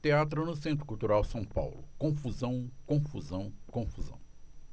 teatro no centro cultural são paulo confusão confusão confusão